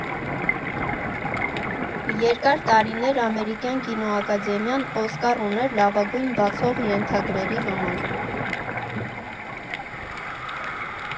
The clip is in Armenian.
Երկար տարիներ Ամերիկյան կինոակադեմիան Օսկար ուներ «Լավագույն բացող ենթագրերի» համար։